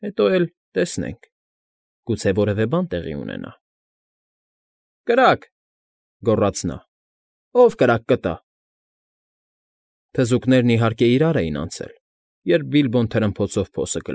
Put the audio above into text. Հետո էլ, տեսնենք, գուցե որևէ բան տեղի ունենա»։ ֊ Կրա՜կ,֊ գոռաց նա։֊ Ո՞վ կրակ կտա… Թզուկներն, իհարկե, իրար էին անցել, երբ Բիլբոն թրմփոցով փոսը։